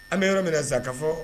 An bɛ yɔrɔ minna zanaka fɔ